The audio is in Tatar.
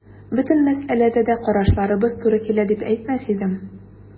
Бөтен мәсьәләдә дә карашларыбыз туры килә дип әйтмәс идем.